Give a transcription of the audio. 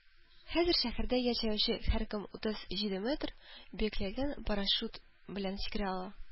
Хәзер шәһәрдә яшәүче һәркем утыз җиде метр биеклектән парашют белән сикерә ала